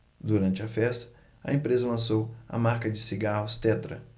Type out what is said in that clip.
durante a festa a empresa lançou a marca de cigarros tetra